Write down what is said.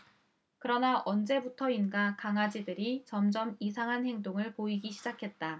그러나 언제부터인가 강아지들이 점점 이상한 행동을 보이기 시작했다